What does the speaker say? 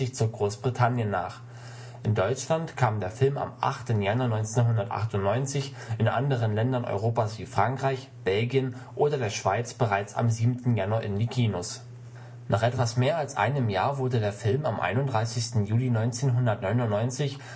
zog Großbritannien nach. In Deutschland kam der Film am 8. Januar 1998, in anderen Ländern Europas wie Frankreich, Belgien oder der Schweiz bereits am 7. Januar in die Kinos. Nach etwas mehr als einem Jahr wurde der Film am 31. Juli 1999